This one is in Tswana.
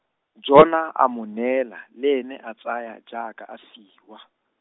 Jona a mo neela, le ene a tsaya jaaka a fiwa.